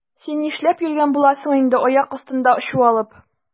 Син нишләп йөргән буласың инде аяк астында чуалып?